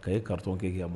Ka ye karike kɛ ma